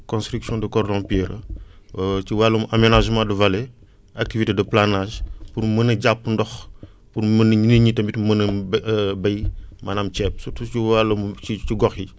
construction de cordon pierreux ci wàllum aménagement de vallée acyivité de planage pour mën a jàpp ndox pour mën a nit ñi tamit mën a bé béy maanaam ceeb surtout ci wàllum ci ci gox yi